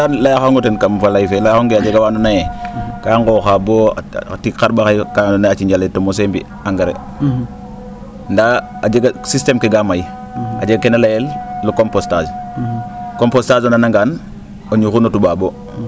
waaw Ndane layaxongo ten kam fa lay fee layaaxong ee a jega waa andoona yee ngaa nqooxa tiig xar?axay kaa andooona yee ciinj ale to mosee mbi' engrais ndaa a jega systeme ke kaa may a jega kena layel le compostage compostage o nanangaan o ñuxur no toubab o